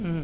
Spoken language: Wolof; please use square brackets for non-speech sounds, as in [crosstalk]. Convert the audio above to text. [hesitation] [hesitation]